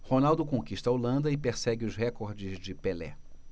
ronaldo conquista a holanda e persegue os recordes de pelé